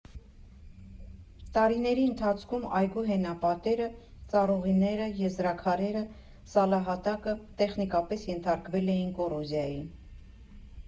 «Տարիների ընթացքում այգու հենապատերը, ծառուղիները, եզրաքարերը, սալահատակը տեխնիկապես ենթարկվել էին կոռոզիայի։